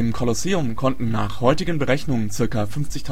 Kolosseum konnten nach heutigen Berechnungen ca. 50.000